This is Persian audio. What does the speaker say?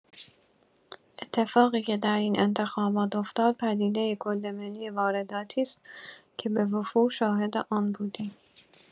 اتفاقی که در این انتخابات افتاد، پدیده کد ملی وارداتی است که به‌وفور شاهد آن بودیم.